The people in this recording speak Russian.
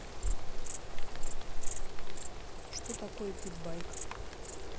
что такое питбайк